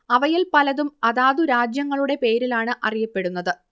അവയിൽ പലതും അതാതു രാജ്യങ്ങളുടെ പേരിലാണ് അറിയപ്പെടുന്നത്